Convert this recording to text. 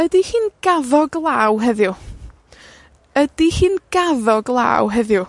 ydy hi'n gaddo glaw heddiw? Ydi hi'n gaddo glaw heddiw?